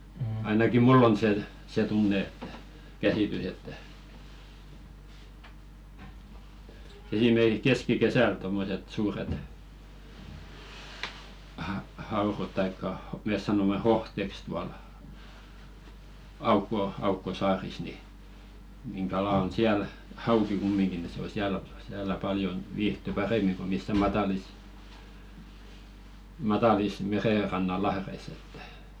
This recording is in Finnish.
ainakin minulla on se se tunne että käsitys että esimerkiksi keskikesällä tuommoiset suuret haudat tai me sanomme hohteeksi tuolla aukko aukko saarissa niin niin kala on siellä hauki kumminkin niin se on siellä siellä paljon viihtyy paremmin kuin missään matalissa matalissa merenrannan lahdissa että